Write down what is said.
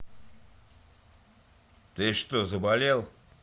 ты что заболел